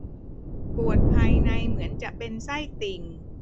ปวดภายในเหมือนจะเป็นไส้ติ่ง